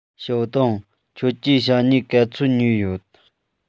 ཞའོ ཏུང ཁྱོད ཀྱིས ཞྭ སྨྱུག ག ཚོད ཉོས ཡོད